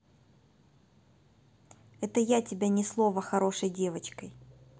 это я тебя ни слова хорошей девочкой